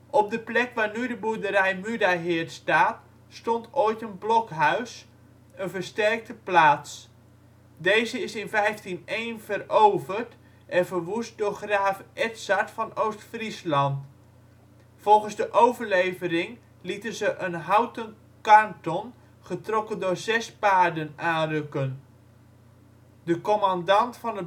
Op de plek waar nu de boerderij Mudaheerd staat stond ooit een blokhuis, een versterkte plaats. Deze is in 1501 veroverd en verwoest door graaf Edzard van Oost-Friesland. Volgens de overlevering lieten ze een houten karnton getrokken door zes paarden aanrukken. De commandant van